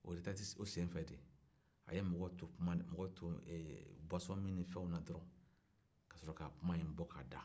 o senfɛ de a ye mɔgɔw to buwason minw ni fɛnw na dɔrɔn kasɔrɔ ka kuma in bɔ ka da